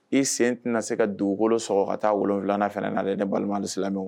I sen tɛna se ka dugukolo sɔgɔ ka taa 7 nan fɛnɛ na dɛ ne balima alisilamɛw